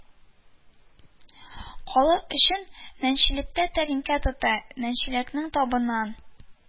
Калыр өчен нәчәлниккә тәлинкә тота, нәчәлникнең табанын